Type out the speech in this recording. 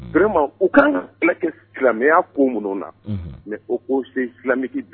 Vraiment u ka kan ka Silamɛya ko ninnu na, unhun, mais haut conseil islamique